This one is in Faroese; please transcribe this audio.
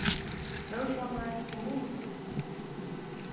tórshavnar kommunuskúli